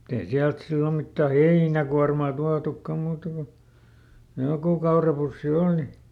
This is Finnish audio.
mutta ei sieltä silloin mitään heinäkuormaa tuotukaan muuta kuin joku kaurapussi oli